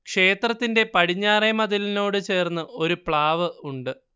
ക്ഷേത്രത്തിന്റെ പടിഞ്ഞാറെ മതിലിനോട് ചേർന്ന് ഒരു പ്ലാവ് ഉണ്ട്